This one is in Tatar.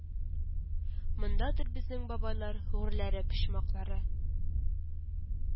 Мондадыр безнең бабайлар гурләре, почмаклары